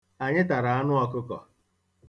Anyị tara anụọ̄kụ̄kọ̀.